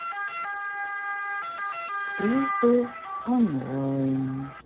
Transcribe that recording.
клипы онлайн